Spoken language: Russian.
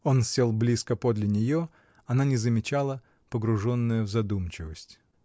Он сел близко подле нее: она не замечала, погруженная в задумчивость.